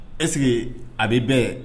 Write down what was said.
Ɛsseke a bɛ' bɛn